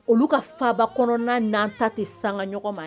Olu ka faba kɔnɔna n'an ta ten san ka ɲɔgɔn ma